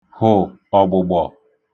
hụ̀ ọ̀gbụ̀gbọ̀